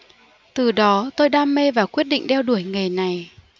từ đó tôi đam mê và quyết định đeo đuổi nghề này